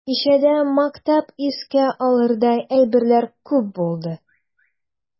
Кичәдә мактап искә алырдай әйберләр күп булды.